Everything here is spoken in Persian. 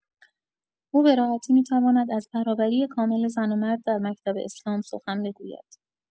او به‌راحتی می‌تواند از برابری کامل زن و مرد در مکتب اسلام سخن بگوید.